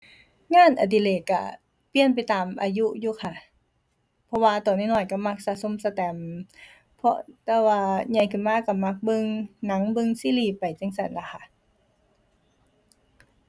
งานอดิเรกก็เปลี่ยนไปตามอายุอยู่ค่ะ เพราะว่าตอนน้อยน้อยก็มักสะสมแสตมป์ เพราะ แต่ว่าใหญ่ขึ้นมาก็มักเบิ่งหนัง เบิ่งซีรีส์ไปจั่งซั้นล่ะค่ะ